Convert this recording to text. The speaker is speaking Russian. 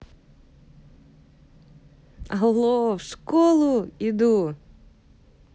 алло в школу иду